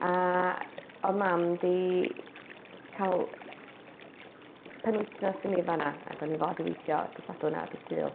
A oedd mam di cael penwythnos i mi fan'na, ac o'n i fod i weithio dydd Sadwrn a dydd Sul.